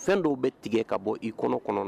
Fɛn dɔw bɛ tigɛ ka bɔ i kɔnɔ kɔnɔ